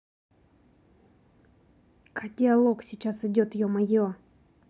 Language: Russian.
k диалог сейчас идет е мое